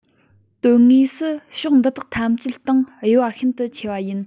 དོན དངོས སུ ཕྱོགས འདི དག ཐམས ཅད སྟེང དབྱེ བ ཤིན ཏུ ཆེ བ ཡིན